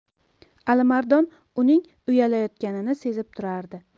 alimardon uning uyalayotganini sezib turardi